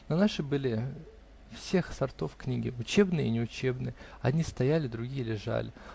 На нашей были всех сортов книги -- учебные и неучебные: одни стояли, другие лежали.